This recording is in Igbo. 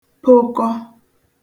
pokọ